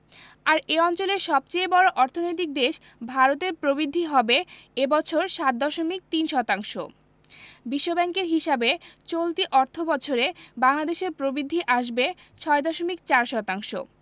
আর এ অঞ্চলের সবচেয়ে বড় অর্থনৈতিক দেশ ভারতের প্রবৃদ্ধি হবে এ বছর ৭.৩ শতাংশ বিশ্বব্যাংকের হিসাবে চলতি অর্থবছরে বাংলাদেশের প্রবৃদ্ধি আসবে ৬.৪ শতাংশ